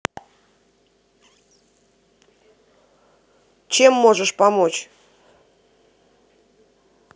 чем можешь помочь